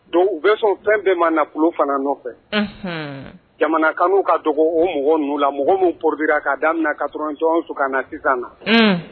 Donc u bɛ son fɛn bɛ ma nafolo fana nɔfɛ, unhun, jamanakanu ka dogo o mɔgɔ ninnu la mɔgɔ minnu produit la k'a daminɛ 91 ka na sisan na! ɔɔn!